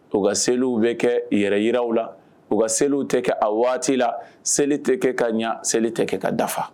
U ka selen selieliw bɛ kɛ yɛrɛ yiw la u ka selieliw tɛ kɛ a waati la seli tɛ kɛ ka ɲɛ seli tɛ kɛ ka dafa